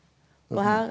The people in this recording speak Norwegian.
og her.